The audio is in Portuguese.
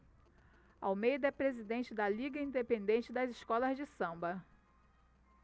almeida é presidente da liga independente das escolas de samba